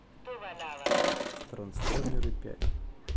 трансформеры пять